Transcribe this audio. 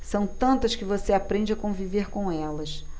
são tantas que você aprende a conviver com elas